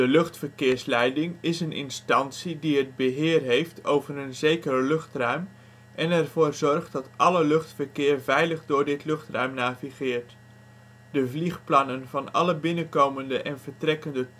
luchtverkeersleiding is een instantie die het beheer heeft over een zeker luchtruim en ervoor zorgt dat alle luchtverkeer veilig door dit luchtruim navigeert. De vliegplannen van alle binnenkomende en vertrekkende